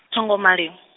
thongo maliwa.